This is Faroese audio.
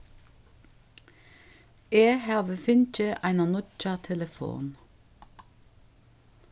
eg havi fingið eina nýggja telefon